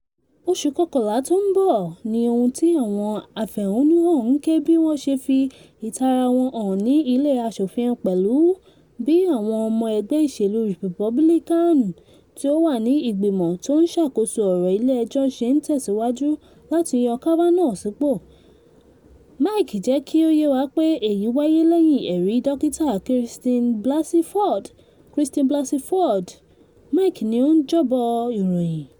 Oṣù kọkànlá tó ń bọ̀! Ní ohun tí àwọn afẹ̀hónúhàn ń ké bí wọ́n ṣe fi ìtaara wọn hàn ní ilé Aṣòfin pẹ̀lú bí àwọn ọmọ ẹgbẹ́ ìṣèlú Rìpúbílíkáànì tí ó wà ní ìgbìmọ̀ tó ń ṣàkóso ọ̀rọ̀ ilé ẹjọ́ ṣe ń tẹ̀síwájú láti yan Kavanaugh sípò. The Mic jẹ́ kí ó yé wa pé èyí wáyé lẹ́yìn ẹ̀rí dọ́kítà Christine Blasey Ford. Christine Blasey Ford, Mic ní ó ń jọ́bọ̀ ìròyìn.